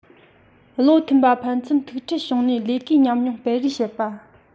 བློ མཐུན པ ཕན ཚུན ཐུག ཕྲད བྱུང ནས ལས ཀའི ཉམས མྱོང སྤེལ རེས བྱེད པ